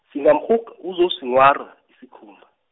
singamrhug- uzosinghwara, isikhumba.